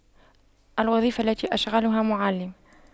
الوظيفة التي أشغلها معلم